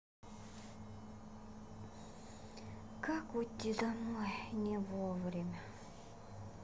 как уйти домой не вовремя